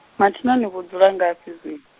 mathina ni vho dzula ngafhi zwino?